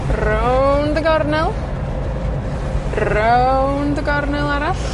Rownd y gornel. Rownd y gornel arall.